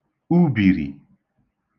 ubìrì